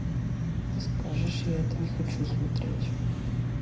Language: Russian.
ты скажешь я это не хочу смотреть